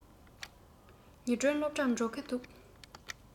ཉི སྒྲོན སློབ གྲྭར འགྲོ གི འདུག